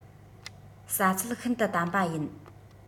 ཟ ཚུལ ཤིན ཏུ དམ པ ཡིན